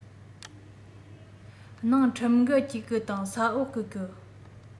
ནང ཁྲིམས འགལ གྱིས གི དང ས འོག གི